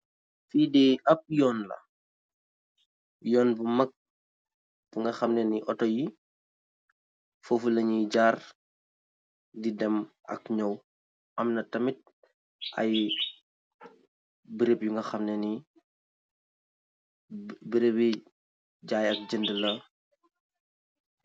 Fi daey ahbb yon la, yon bu mak bu nga hamneh ni ootor yii fofu leh njui jaahrr di dem ak njow, amna tamit aiiy beureub yu nga hamneh nii beureub bi jaii ak jendue la.